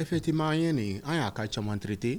Effectivement an ye nin ye, an y'a ka caaman traiter .